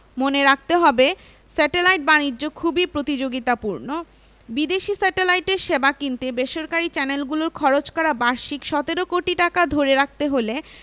মনে রাখতে হবে স্যাটেলাইট বাণিজ্য খুবই প্রতিযোগিতাপূর্ণ বিদেশি স্যাটেলাইটের সেবা কিনতে বেসরকারি চ্যানেলগুলোর খরচ করা বার্ষিক ১৭ কোটি টাকা ধরে রাখতে হলে